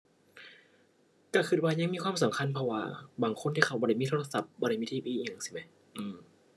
ก็ก็ว่ายังมีความสำคัญเพราะว่า บางคนที่เขาบ่ได้มีโทรศัพท์บ่ได้มี TV อิหยังจั่งซี้แหม อือ